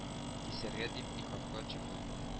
Кисәргә дип ихатага чыгып